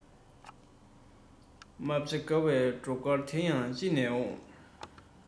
རྨ བྱ དགའ བའི བྲོ གར དེ ཡང ཅི ནས འོང